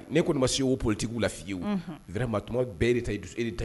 Ni kɔni ma se'oolitigi' lafifiye wɛrɛɛrɛmatuma bɛɛ ta e ta ye